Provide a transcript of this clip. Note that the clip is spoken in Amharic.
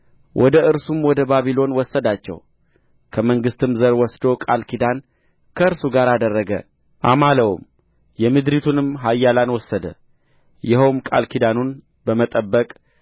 ወደ እርሱም ወደ ባቢሎን ወሰዳቸው ከመንግሥትም ዘር ወስዶ ቃል ኪዳን ከእርሱ ጋር አደረገ አማለውም የምድሪቱንም ኃያላን ወሰደ ይኸውም ቃል ኪዳኑን በመጠበቅ